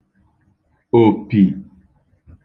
òpì